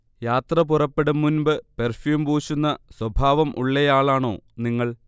യാത്ര പുറപ്പെടും മുൻപ് പെർഫ്യൂം പൂശുന്ന സ്വഭാവം ഉള്ളയാളാണോ നിങ്ങൾ